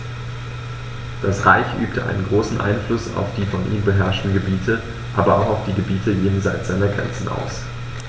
Das Reich übte einen großen Einfluss auf die von ihm beherrschten Gebiete, aber auch auf die Gebiete jenseits seiner Grenzen aus.